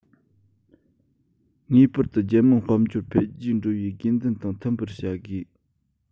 ངེས པར དུ རྒྱལ དམངས དཔལ འབྱོར འཕེལ རྒྱས འགྲོ བའི དགོས འདུན དང མཐུན པར བྱ དགོས